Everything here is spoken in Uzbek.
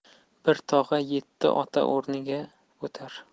bir tog'a yetti ota o'rniga o'tar